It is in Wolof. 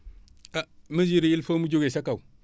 ah mesures yi il faut mu jugee sa kaw